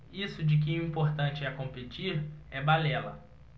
isso de que o importante é competir é balela